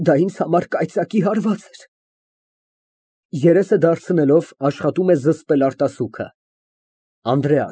Դա ինձ համար կայծակի հարված էր։ (Երեսը դարձնելով, աշխատում է արտասուքը զսպել)։